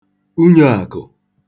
unyo àkụ̀